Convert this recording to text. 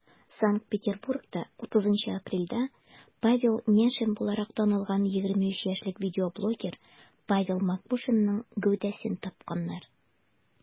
Санкт-Петербургта 30 апрельдә Павел Няшин буларак танылган 23 яшьлек видеоблогер Павел Макушинның гәүдәсен тапканнар.